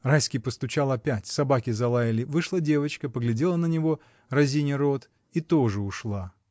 Райский постучал опять, собаки залаяли, вышла девочка, поглядела на него, разиня рот, и тоже ушла.